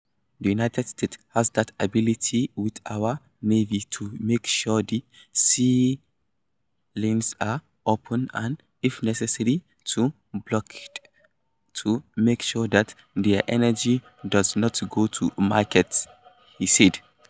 "The United States has that ability, with our Navy, to make sure the sea lanes are open, and, if necessary, to blockade, to make sure that their energy does not go to market," he said.